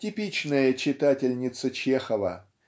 типичная читательница Чехова